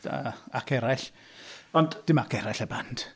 Ac eraill... Ond... dim Ac Eraill y band.